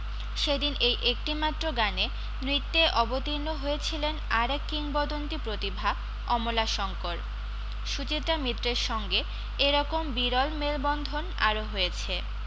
সে দিন এই একটিমাত্র গানে নৃত্যে অবতীর্ণ হয়েছিলেন আর এক কিংবদন্তী প্রতিভা অমলাশঙ্কর সুচিত্রা মিত্রের সঙ্গে এ রকম বিরল মেলবন্ধন আরও হয়েছে